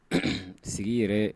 Sigi yɛrɛ